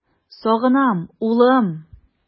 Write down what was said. Сагынам, улым!